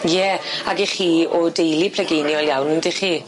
Ie ag 'ych chi o deulu plygeuniol iawn yndych chi?